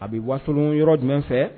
A bɛ wasolon yɔrɔ jumɛn fɛ